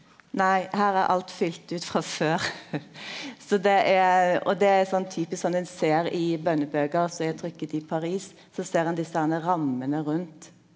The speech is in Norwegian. nei her er alt fylt ut frå før så det er og det er sånn typisk sånn ein ser i bønnebøker som er trykt i Paris så ser ein desse herne rammene rundt.